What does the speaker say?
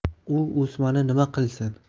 u o'smani nima qilsin